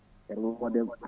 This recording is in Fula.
ceerno Mamadou Demba